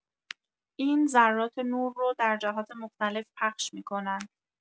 این ذرات نور رو در جهات مختلف پخش می‌کنن.